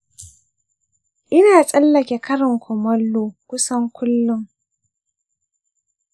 ina tsallake karin kumallo kusan kullum